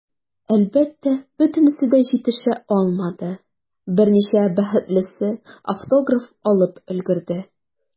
Әлбәттә, бөтенесе дә җитешә алмады, берничә бәхетлесе автограф алып өлгерде.